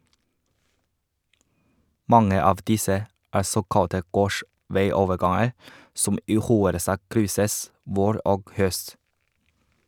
Mange av disse er såkalte gårdsveioverganger, som i hovedsak krysses vår og høst.